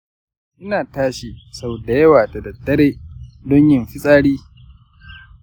ina tashi sau da yawa da daddare don yin fitsari.